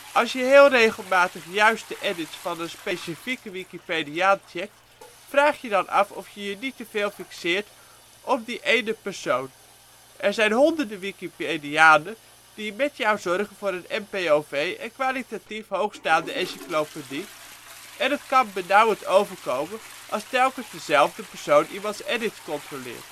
Als je heel regelmatig juist de edits van een specifieke wikipediaan checkt, vraag je dan af of je je niet teveel fixeert op die ene persoon - er zijn honderden wikipedianen die met jou zorgen voor een NPOV en kwalitatief hoogstaande encyclopedie, en het kan benauwend overkomen als telkens dezelfde persoon iemands edits controleert